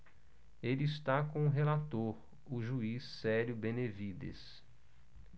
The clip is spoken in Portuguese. ele está com o relator o juiz célio benevides